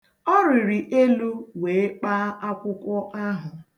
Ọ rịrị elu wee kpaa akwụkwọ ahụ.